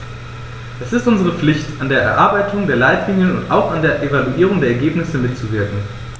Es ist unsere Pflicht, an der Erarbeitung der Leitlinien und auch an der Evaluierung der Ergebnisse mitzuwirken.